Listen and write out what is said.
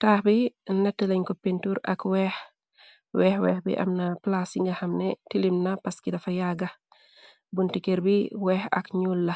taax bi nett lañ ko pintur ak weexweex weex bi amna plas yi nga xamne tilim na paski dafa yagga bunti kër bi weex ak ñuul la